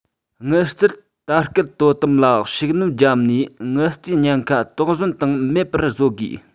དངུལ རྩར ལྟ སྐུལ དོ དམ ལ ཤུགས སྣོན བརྒྱབ ནས དངུལ རྩའི ཉེན ཁ དོགས ཟོན དང མེད པར བཟོ དགོས